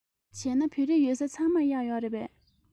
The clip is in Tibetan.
བྱས ན བོད རིགས ཡོད ས ཚང མར གཡག ཡོད རེད པས